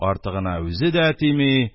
Артыгына үзе дә тими,